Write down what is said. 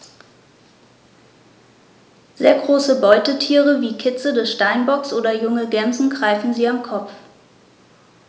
Sehr große Beutetiere wie Kitze des Steinbocks oder junge Gämsen greifen sie am Kopf.